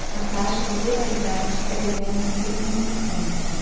a taxa de letalidade é de menos de um por cento